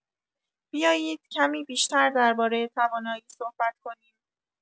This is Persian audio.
بیایید کمی بیشتر درباره توانایی صحبت کنیم.